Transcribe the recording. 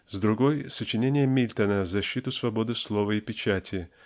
а с другой -- сочинения Мильтона в защиту свободы слова и печати